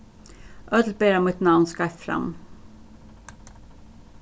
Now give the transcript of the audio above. øll bera mítt navn skeivt fram